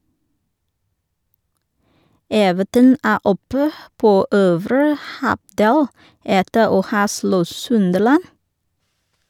Everton er oppe på øvre halvdel, etter å ha slått Sunderland.